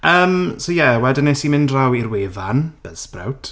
Yym, so ie, wedyn wnes i mynd draw i'r wefan yy sprout.